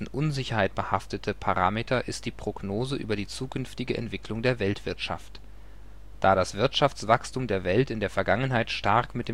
Unsicherheit behaftete Parameter ist die Prognose über die zukünftige Entwicklung der Weltwirtschaft. Da das Wirtschaftswachstum der Welt in der Vergangenheit stark mit